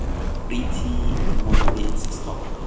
Pretty moderate stuff.